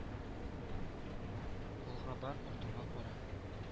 Алга бар артыңа кара